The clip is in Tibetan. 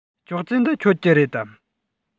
ཅོག ཙེ འདི ཁྱོད ཀྱི རེད དམ